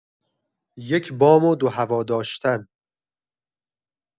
یک بام و دو هوا داشتن